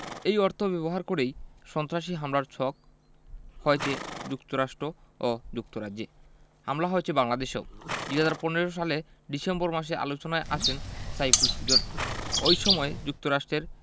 এই অর্থ ব্যবহার করেই সন্ত্রাসী হামলার ছক হয়েছে যুক্তরাষ্ট্র ও যুক্তরাজ্যে হামলা হয়েছে বাংলাদেশেও ২০১৫ সালে ডিসেম্বর মাসে আলোচনায় আসেন সাইফুল সুজন ওই সময় যুক্তরাষ্ট্রের